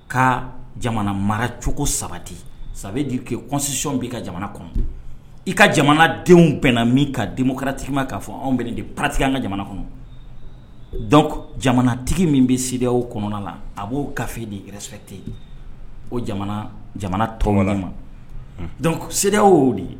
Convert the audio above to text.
Ka jamana maracogo sabati saba di kɛ kɔnsisɔnɔn b'i ka jamana kɔnɔ i ka jamana denw bɛnna min ka denwkaratigima ma k'a fɔ anw bɛ de patigi an ka jamana kɔnɔ dɔnku jamanatigi min bɛ se o kɔnɔna na a b'o kafe de yɛrɛ ten yen o jamana tɔrɔ mac' de